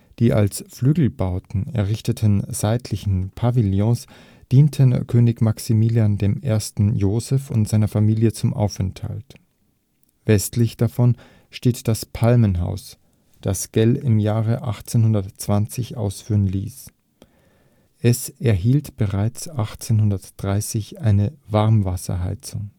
Die als Flügelbauten errichteten seitlichen Pavillons dienten König Maximilian I. Joseph und seiner Familie zum Aufenthalt. Westlich davon steht das Palmenhaus, das Sckell im Jahre 1820 ausführen ließ. Es erhielt bereits 1830 eine Warmwasserheizung